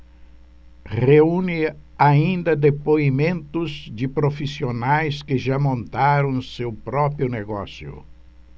reúne ainda depoimentos de profissionais que já montaram seu próprio negócio